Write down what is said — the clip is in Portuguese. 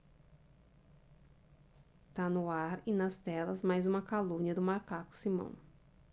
tá no ar e nas telas mais uma calúnia do macaco simão